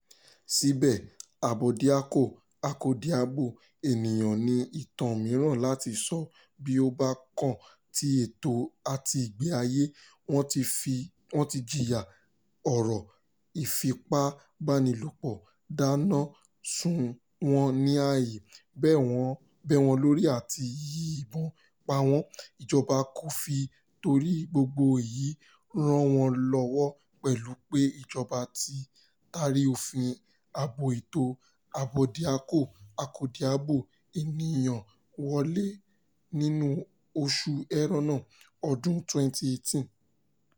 Síbẹ̀, Abódiakọ-akọ́diabo ènìyàn ní ìtàn mìíràn láti sọ bí ó bá kan ti ẹ̀tọ́ àti ìgbé ayé; wọ́n ti jìyà oró, ìfipábánilòpọ̀, dáná sun wọ́n ní ààyè, bẹ́ wọn lórí àti yin ìbọn pa wọ́n, ìjọba kò fi torí gbogbo èyí ràn wọ́n lọ́wọ́ pẹ̀lú pé Ìjọba ti tari òfin Ààbò Ẹ̀tọ́ Abódiakọ-akọ́diabo Ènìyàn wọlé nínú oṣù Ẹrẹ́nà ọdún 2018.